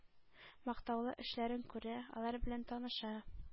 Мактаулы эшләрен күрә, алар белән таныша.